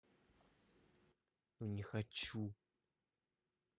ну не хочу